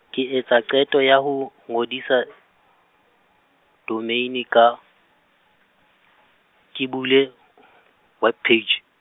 ke etsa qeto ya ho ngodisa , domeine ka, ke bule , web page.